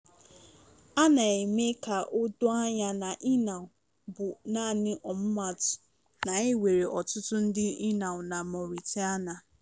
Ana m eme ka o doo anya na Inal bụ naanị ọmụmaatụ; na e nwere ọtụtụ ndị Inal na Mauritania.